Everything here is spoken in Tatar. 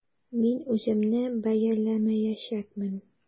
Мин үземне бәяләмәячәкмен.